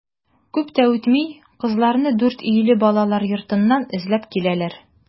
Күп тә үтми кызларны Дүртөйле балалар йортыннан эзләп киләләр.